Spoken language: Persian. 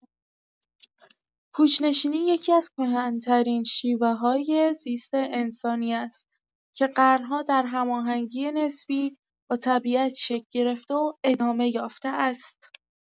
کوچ‌نشینی یکی‌از کهن‌ترین شیوه‌های زیست انسانی است که قرن‌ها در هماهنگی نسبی با طبیعت شکل گرفته و ادامه یافته است.